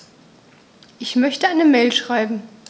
Ich möchte eine Mail schreiben.